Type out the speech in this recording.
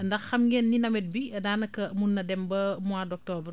ndax xam ngeen ni nawet bi daanaka mën na dem ba mois d' octobre